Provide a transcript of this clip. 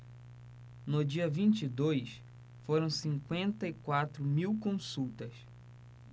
no dia vinte e dois foram cinquenta e quatro mil consultas